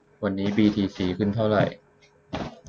วันนี้บีทีซีขึ้นเท่าไหร่